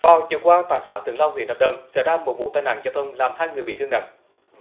vào chiều qua tại xã thượng long huyện nam đông xảy ra một vụ tai nạn giao thông làm hai người bị thương nặng